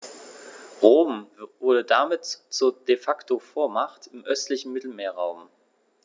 Rom wurde damit zur ‚De-Facto-Vormacht‘ im östlichen Mittelmeerraum.